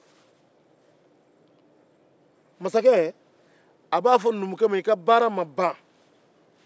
masakɛ b'a fɔ numukɛ ma i ka baara ma ban